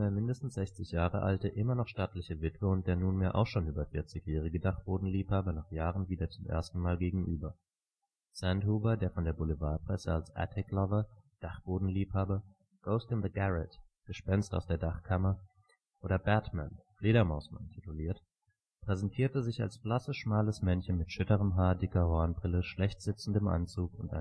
mindestens 60 Jahre alte, immer noch stattliche Witwe und der nunmehr auch schon über 40jährige Dachboden-Liebhaber nach Jahren wieder zum ersten Mal gegenüber. Sandhuber, von der Boulevardpresse als „ Attic Lover “(Dachboden-Liebhaber), „ Ghost in the Garrett “(Gespenst aus der Dachkammer) oder “Bat Man “(Fledermaus-Mann) tituliert, präsentierte sich als blasses, schmales Männchen mit schütterem Haar, dicker Hornbrille, schlecht sitzendem Anzug